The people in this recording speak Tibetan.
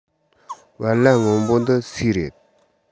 བལ ལྭ སྔོན པོ འདི སུའི རེད